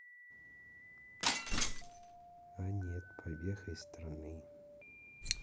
о нет побег из страны